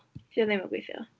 'Di o ddim yn gweithio.